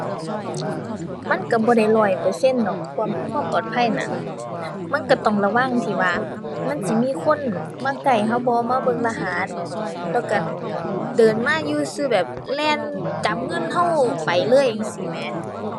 มันก็บ่ได้ร้อยเปอร์เซ็นต์ดอก ความ ความปลอดภัยน่ะ มันก็ต้องระวังที่ว่า มันสิมีคนมาใกล้ก็บ่ มาเบิ่งรหัส แล้วก็เดินมาอยู่ซื่อซื่อแบบแล่นจับเงินก็ไปเลยจั่งซี้แหม